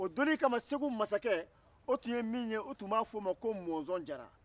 o donnin kama segu masakɛ o tun ye min ye u tun b'a f'o ma ko mɔnzɔn jara